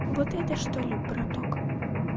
вот это что ли браток